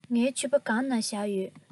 ངའི ཕྱུ པ སྒམ ནང ལ བཞག ཡོད